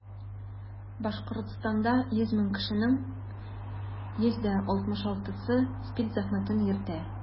Башкортстанда 100 мең кешенең 166-сы СПИД зәхмәтен йөртә.